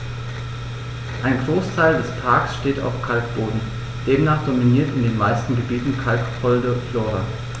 Ein Großteil des Parks steht auf Kalkboden, demnach dominiert in den meisten Gebieten kalkholde Flora.